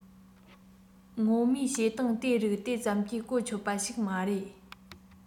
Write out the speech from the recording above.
སྔོན མའི བྱེད སྟངས དེ རིགས དེ ཙམ གྱིས གོ ཆོད པ ཞིག མ རེད